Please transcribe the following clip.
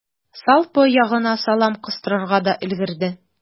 Салпы ягына салам кыстырырга да өлгерде.